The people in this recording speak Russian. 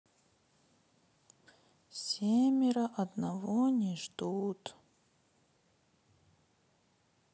семеро одного не ждут